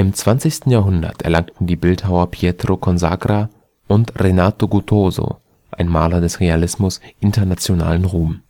20. Jahrhundert erlangten der Bildhauer Pietro Consagra und Renato Guttuso, ein Maler des Realismus, internationalen Ruhm